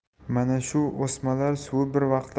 mana shu o'smalar suvi bir